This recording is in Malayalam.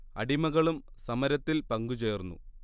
അടിമകളും സമരത്തിൽ പങ്കു ചേർന്നു